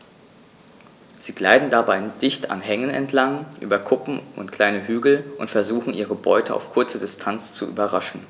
Sie gleiten dabei dicht an Hängen entlang, über Kuppen und kleine Hügel und versuchen ihre Beute auf kurze Distanz zu überraschen.